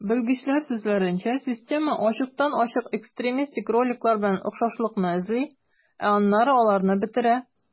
Белгечләр сүзләренчә, система ачыктан-ачык экстремистик роликлар белән охшашлыкны эзли, ә аннары аларны бетерә.